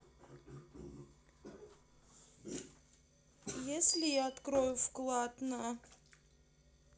если я открою вклад на